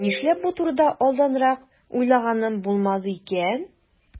Нишләп бу турыда алданрак уйлаганым булмады икән?